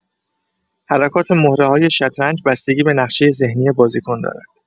حرکات مهره‌های شطرنج بستگی به نقشه ذهنی بازیکن دارد.